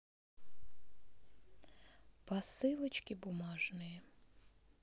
посылочки бумажные